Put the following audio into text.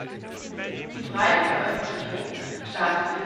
breite Veröffentlichung startete